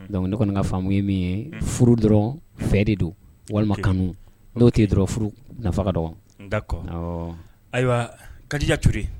Dɔnku ne kɔni ka faamu ye min ye furu dɔrɔn fɛ de don walima kanu n'o tɛ dɔrɔn furu nafa dɔn ayiwa kadijatuurri